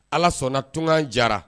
Ala sɔnna tunga diyara